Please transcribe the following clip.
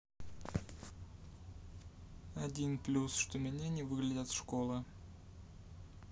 один плюс что меня не выглядят школы